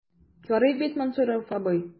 Ярый бит, Мансуров абый?